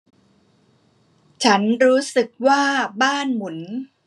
ฉันรู้สึกว่าบ้านหมุน